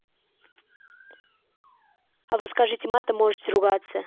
а вы скажите матом можете ругаться